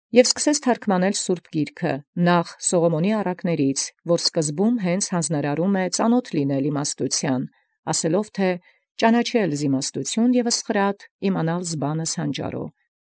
Եւ եդեալ սկիզբն թարգմանելոյն զգիրս նախ յԱռակացն Սողոմոնի, որ ի սկզբանն իսկ ծանաւթս իմաստութեանն ընծայեցուցանէ լինել, ասելով՝ եթէ «Ճանաչել զիմաստութիւն և զխրատ, իմանալ զբանս հանճարոյե։